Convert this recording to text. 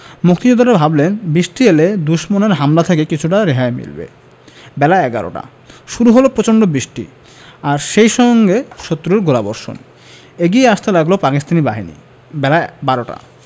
মুক্তিযোদ্ধারা ভাবলেন বৃষ্টি এলে দুশমনের হামলা থেকে কিছুটা রেহাই মিলবে বেলা এগারোটা শুরু হলো প্রচণ্ড বৃষ্টি আর সেই সঙ্গে শত্রুর গোলাবর্ষণ এগিয়ে আসতে লাগল পাকিস্তানি বাহিনী বেলা বারোটা